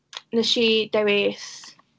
Wnes i dewis...